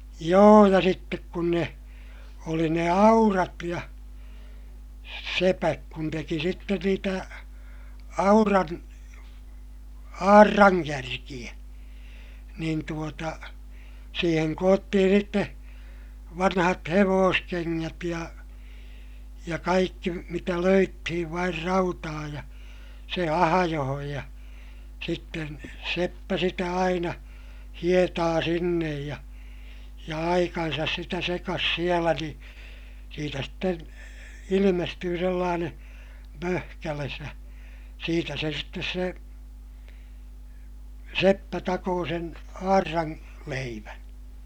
joo ja sitten kun ne oli ne aurat ja sepät kun teki sitten niitä auran aurankärkiä niin tuota siihen koottiin sitten vanhat hevoskengät ja ja kaikki mitä löydettiin vain rautaa ja se ahjoon ja sitten seppä sitä aina hietaa sinne ja ja aikansa sitä sekasi siellä niin siitä sitten ilmestyi sellainen möhkäle ja siitä se sitten se seppä takoi sen auran leivän